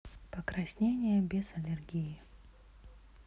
покраснения без аллергии